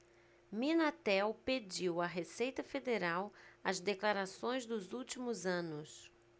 minatel pediu à receita federal as declarações dos últimos anos